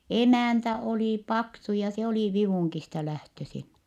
emäntä oli paksu ja se oli Vivungista lähtöisin